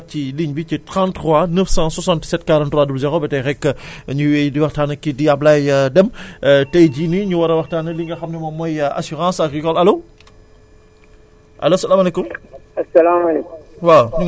alors yéen tamit mun ngeen duggaat ci ligne bi ci 33 067 43 00 ba tey rekk ñuy wéy di waxtaan ak kii di Ablaye Deme tey jii nii ñu war a waxtaanee li nga xam moom mooy assurance agricole allo allo salaamaaleykum